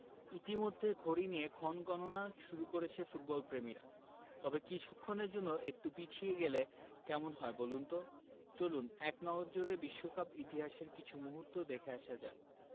ইতিমধ্যে ঘড়ি নিয়ে ক্ষণগণনা শুরু করেছে ফুটবলপ্রেমীরা তবে কিছুক্ষণের জন্য একটু পিছিয়ে গেলে কেমন হয় বলুন তো চলুন এক নজরে বিশ্বকাপ ইতিহাসের কিছু মুহূর্ত দেখে আসা যাক